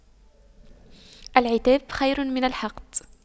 العتاب خير من الحقد